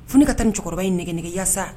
F ka taa cɛkɔrɔba in nɛgɛ nɛgɛgeyasa